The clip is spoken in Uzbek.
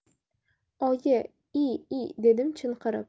oyi i i dedim chinqirib